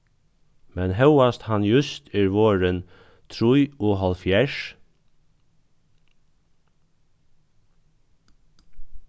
men hóast hann júst er vorðin trýoghálvfjerðs